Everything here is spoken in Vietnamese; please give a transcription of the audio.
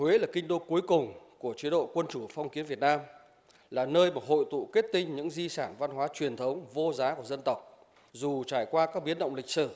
huế là kinh đô cuối cùng của chế độ quân chủ phong kiến việt nam là nơi mà hội tụ kết tinh những di sản văn hóa truyền thống vô giá của dân tộc dù trải qua các biến động lịch sử